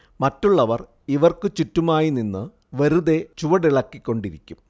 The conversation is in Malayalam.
മറ്റുള്ളവർ ഇവർക്കു ചുറ്റുമായി നിന്ന് വെറുതേ ചുവടിളക്കിക്കൊണ്ടിരിക്കും